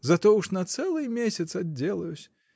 Зато уж на целый месяц отделаюсь!